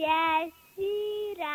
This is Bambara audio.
Ymini